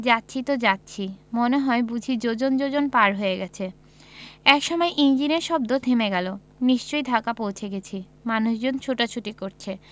যাচ্ছি তো যাচ্ছি মনে হয় বুঝি যোজন যোজন পার হয়ে গেছে একসময় ইঞ্জিনের শব্দ থেমে গেলো নিশ্চয়ই ঢাকা পৌঁছে গেছি মানুষজন ছোটাছুটি করছে